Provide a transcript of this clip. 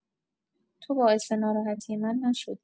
تو باعث ناراحتی من نشدی.